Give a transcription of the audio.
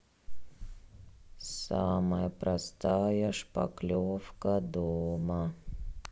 самая простая шпаклевка дома